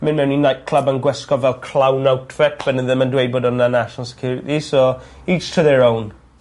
myn' mewn i nightclub yn gwisgo fel clown outfit by'n n'w ddim dweud bod wnna'n national security so each to their own.